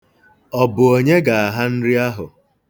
Ọ bụ onye ga-aha nri ahụ?